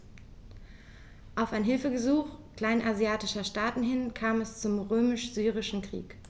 Auf ein Hilfegesuch kleinasiatischer Staaten hin kam es zum Römisch-Syrischen Krieg.